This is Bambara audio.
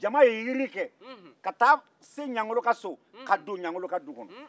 jama ye yirii kɛ ka taa se ɲangolo k a so ka ddon ɲangolo ka du kɔnɔ